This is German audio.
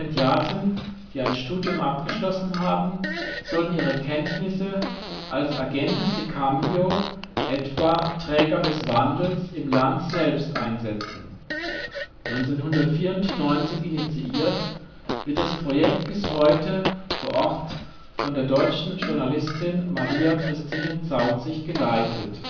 die ein Studium abgeschlossen haben, sollen ihre Kenntnisse als „ Agentes de cambio “(etwa „ Träger des Wandels “) im Land selbst einsetzen. 1994 initiiert, wird das Projekt bis heute vor Ort von der deutschen Journalistin Maria-Christine Zauzich geleitet